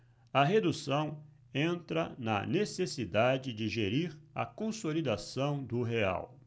a redução entra na necessidade de gerir a consolidação do real